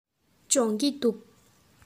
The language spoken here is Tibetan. སྦྱོང གི འདུག